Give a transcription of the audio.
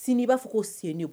Sini i b'a fɔ ko